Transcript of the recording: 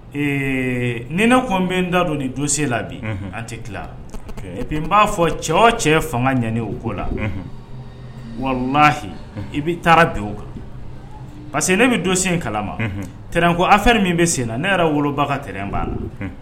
Ni ne ko bɛ da don ni do la bi an tɛ tila e'a fɔ cɛ cɛ fanga ɲ o ko la walahi i bɛ taara bi o kan parce que ne bɛ dosen in kalama t ko a fɛ min bɛ sen na ne yɛrɛ woloba ka t b'a la